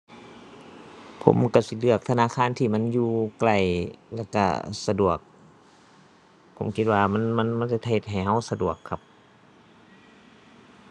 ผมก็สิเลือกธนาคารที่มันอยู่ใกล้แล้วก็สะดวก ผมคิดว่ามัน มัน มันเฮ็ด เฮ็ดให้ก็สะดวกครับ